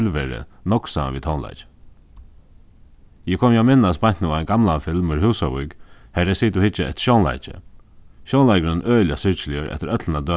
tilveru nógv saman við tónleiki eg komi at minnast beint nú ein gamlan film úr húsavík har tey sita og hyggja eftir sjónleiki sjónleikurin øgiliga syrgiligur eftir øllum at